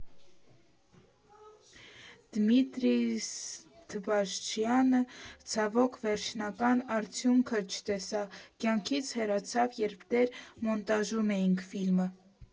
Դմիտրի Աթբաշյանը, ցավոք, վերջնական արդյունքը չտեսավ, կյանքից հեռացավ, երբ դեռ մոնտաժում էինք ֆիլմը։